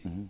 %um